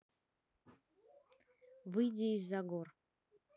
выйди из за гор